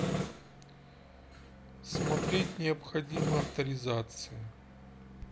смотреть необходима авторизация